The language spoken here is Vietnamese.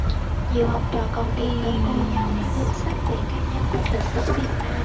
nhiều học trò còn tìm tới cô giáo để mượn sách về các nhân vật lịch sử việt nam